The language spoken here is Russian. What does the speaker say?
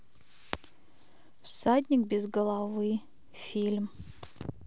всадник без головы фильм